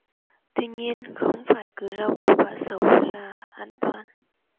tuy nhiên không phải cứ rau củ quả xấu là an toàn